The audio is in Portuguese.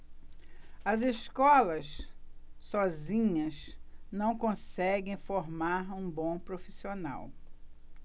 as escolas sozinhas não conseguem formar um bom profissional